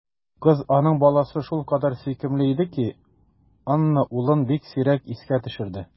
Кыз, аның баласы, шулкадәр сөйкемле иде ки, Анна улын бик сирәк искә төшерде.